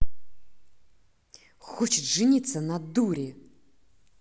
хочет жениться на дуре